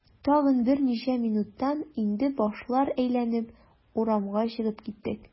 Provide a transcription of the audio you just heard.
Тагын берничә минуттан инде башлар әйләнеп, урамга чыгып киттек.